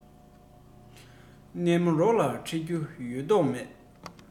གནས མོ རོགས ལ ཁྲིད རྒྱུ ཡོད མདོག མེད